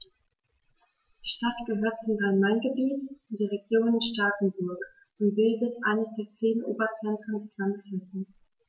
Die Stadt gehört zum Rhein-Main-Gebiet und der Region Starkenburg und bildet eines der zehn Oberzentren des Landes Hessen.